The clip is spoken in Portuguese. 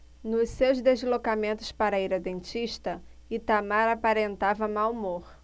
nos seus deslocamentos para ir ao dentista itamar aparentava mau humor